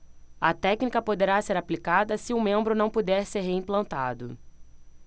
a técnica poderá ser aplicada se o membro não puder ser reimplantado